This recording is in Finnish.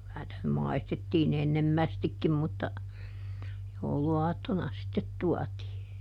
kyllä niitä nyt maistettiin ennemmästikin mutta jouluaattona sitten tuotiin